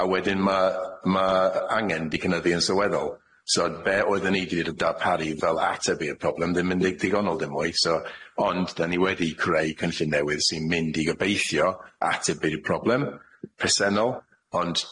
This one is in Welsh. a wedyn ma' ma' angen di cynyddu yn sylweddol so be' oedden ni di ddarparu fel ateb i'r problem ddim yn dig- digonol dim mwy so ond dyn ni wedi creu cynllun newydd sy'n mynd i gobeithio ateb i'r problem presennol ond